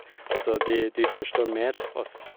Også de de forstår mer oss.